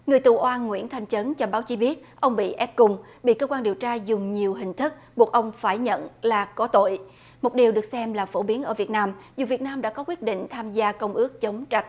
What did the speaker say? người tù oan nguyễn thanh chấn cho báo chí biết ông bị ép cung bị cơ quan điều tra dùng nhiều hình thức buộc ông phải nhận là có tội một đều được xem là phổ biến ở việt nam việt nam đã có quyết định tham gia công ước chống tra